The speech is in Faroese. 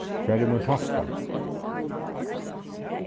hvar er mín taska